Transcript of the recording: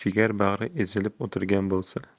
jigar bag'ri ezilib o'tirgan bo'lsa